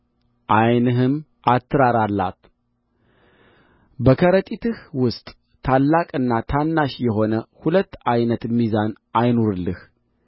ዓይንህም አትራራላት በከረጢትህ ውስጥ ታላቅና ታናሽ የሆነ ሁለት ዓይነት ሚዛን አይኑርልህ